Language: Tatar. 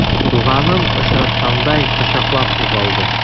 Туганын очраткандай кочаклап ук алды.